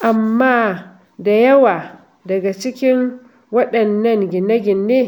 Amma da yawa daga cikin waɗannan gine-gine